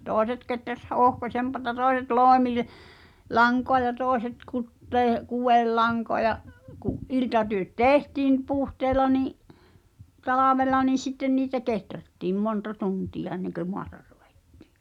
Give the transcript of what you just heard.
toiset kehräsi - ohkaisempaa toiset - loimilankaa ja toiset - kudelankaa ja kun iltatyöt tehtiin puhteella niin talvella niin sitten niitä kehrättiin monta tuntia ennen kuin maata ruvettiin